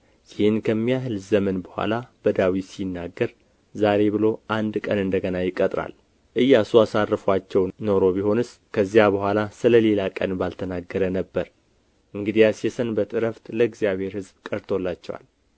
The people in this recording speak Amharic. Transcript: ይህን ከሚያህል ዘመን በኋላ በዳዊት ሲናገር ዛሬ ብሎ አንድ ቀን እንደ ገና ይቀጥራል ኢያሱ አሳርፎአቸው ኖሮ ቢሆንስ ከዚያ በኋላ ስለ ሌላ ቀን ባልተናገረ ነበር እንግዲያስ የሰንበት ዕረፍት ለእግዚአብሔር ሕዝብ ቀርቶላቸዋል